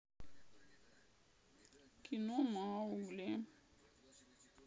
кино маугли